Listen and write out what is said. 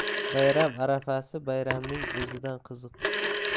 bayram arafasi bayramning o'zidan qiziq